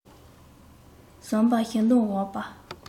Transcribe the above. ཟམ པར ཞེ འདང བཞག པ